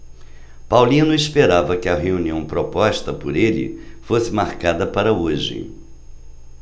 paulino esperava que a reunião proposta por ele fosse marcada para hoje